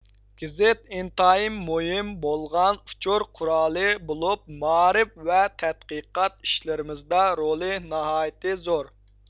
گېزىت ئىنتايىن مۇھىم بولغان ئۇچۇر قورالى بولۇپ مائارىپ ۋە تەتقىقات ئىشلىرىمىزدا رولى ناھايىتى زور